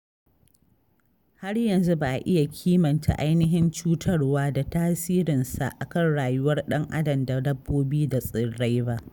Har yanzu ba iya kimanta ainihin cutarwa da tasirinsa a kan rayuwar ɗan-adam da dabbobi da tsirrai ba.